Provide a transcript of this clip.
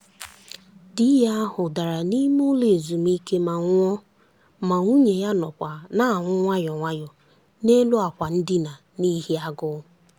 Di ya ahụ dara n'imeụlọ ezumike ma nwụọ, ma nwunye ya nọkwa na-anwụ nwayọọ nwayọọ n'elu àkwà ndina n'ihi agụụ.